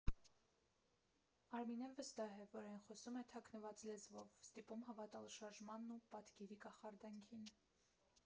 Արմինեն վստահ է, որ այն խոսում է թաքնված լեզվով՝ ստիպում հավատալ շարժմանն ու պատկերի կախարդանքին։